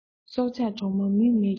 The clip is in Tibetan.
སྲོག ཆགས གྲོག མ མིག མེད ཀྱང